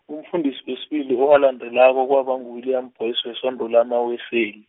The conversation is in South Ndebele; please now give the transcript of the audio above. umfundi wes- wesibili owalandelako kwaba ngu- William Boyce wesondo lamaWeseli.